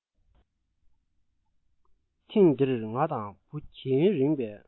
ཐེངས འདིར ང བུ དང གྱེས ཡུན རིང པས